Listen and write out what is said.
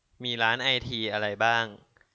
มีร้านไอทีอะไรบ้าง